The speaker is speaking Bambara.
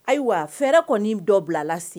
Ayiwa fɛɛrɛ kɔni dɔ bila lase sisan